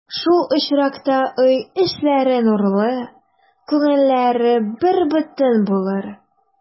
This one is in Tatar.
Шул очракта өй эчләре нурлы, күңелләре бербөтен булыр.